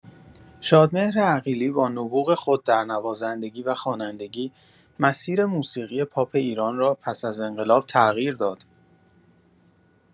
شادمهر عقیلی با نبوغ خود در نوازندگی و خوانندگی، مسیر موسیقی پاپ ایران را پس از انقلاب تغییر داد.